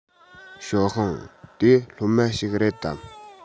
ཞའོ ཧྥུང དེ སློབ མ ཞིག རེད དམ